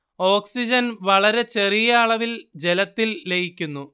ഓക്സിജന്‍ വളരെ ചെറിയ അളവില്‍ ജലത്തില്‍ ലയിക്കുന്നു